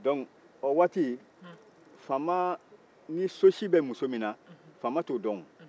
dɔnki o waati faama ni sosi bɛ muso min na faama t'o dɔn